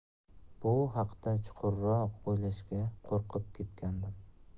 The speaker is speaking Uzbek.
bu haqda chuqurroq o'ylashga qo'rqib ketgandim